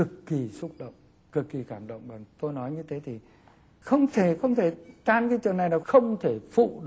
cực kỳ xúc động cực kì cảm động mà tôi nói như thế thì không thể không thể tan trường này là không thể phụ